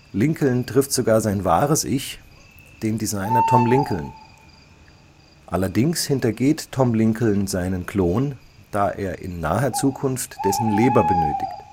Lincoln trifft sogar sein wahres Ich, den Designer Tom Lincoln. Allerdings hintergeht Tom Lincoln seinen Klon, da er in naher Zukunft dessen Leber benötigt